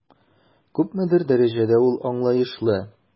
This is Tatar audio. Күпмедер дәрәҗәдә ул аңлаешлы.